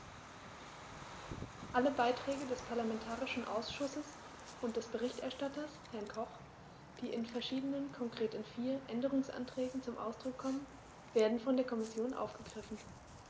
Alle Beiträge des parlamentarischen Ausschusses und des Berichterstatters, Herrn Koch, die in verschiedenen, konkret in vier, Änderungsanträgen zum Ausdruck kommen, werden von der Kommission aufgegriffen.